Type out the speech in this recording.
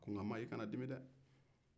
a ko ma i kana dimi dɛ